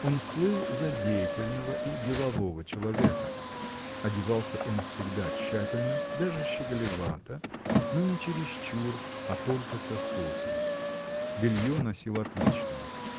Он слыл за деятельного и делового человека. Одевался он всегда тщательно даже щеголевато но не чересчур а только со вкусом белье носил отличное